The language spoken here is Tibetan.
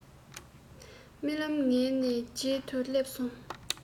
རྨི ལམ ངང ནས མཇལ དུས སླེབས སོང